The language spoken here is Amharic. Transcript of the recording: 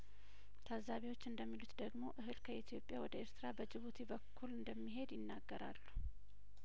ታዛቢዎች እንደሚሉት ደግሞ እህል ከኢትዮጵያ ወደ ኤርትራ በጅቡቲ በኩል እንደሚሄድ ይናገራሉ